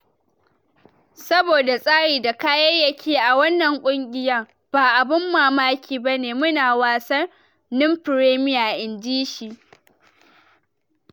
Saboda tsari da kayayyaki a wannan kungiya, ba abun mamaki ba ne mu na Wassanin Fremiya, "in ji shi.